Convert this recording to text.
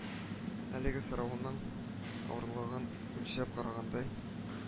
Әлеге сорауның авырлыгын үлчәп карагандай